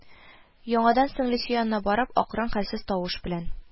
Яңадан сеңлесе янына барып акрын, хәлсез тавыш белән: